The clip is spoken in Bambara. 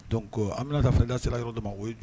Donc ko an bɛna taa fɛn da sira yɔrɔ de ma o